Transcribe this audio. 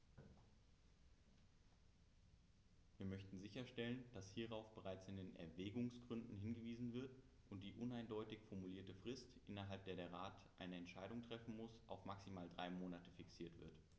Wir möchten sicherstellen, dass hierauf bereits in den Erwägungsgründen hingewiesen wird und die uneindeutig formulierte Frist, innerhalb der der Rat eine Entscheidung treffen muss, auf maximal drei Monate fixiert wird.